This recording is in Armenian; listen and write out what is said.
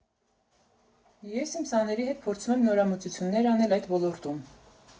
Ես իմ սաների հետ փորձում եմ նորամուծություններ անել այդ ոլորտում։